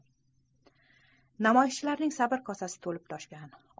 namoyishchilarning sabr kosasi to'lib toshgan